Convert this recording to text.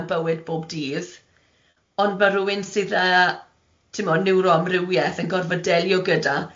mewn bywyd bob dydd, ond ma' rywun sydd â timod niwrooamrywiaeth yn gorfod delio gyda.